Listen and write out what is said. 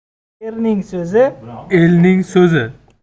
erning so'zi elning so'zi